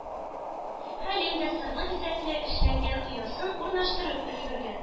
Хәлим дә сырлы-бизәкләп эшләнгән оясын урнаштырып өлгергән.